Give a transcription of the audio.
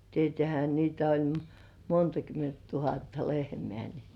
tietäähän niitä oli monta kymmentä tuhatta lehmää niin